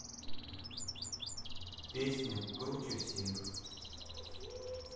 песня круче всех